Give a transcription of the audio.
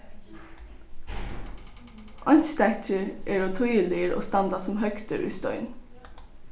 einstakir eru týðiligir og standa sum høgdir í stein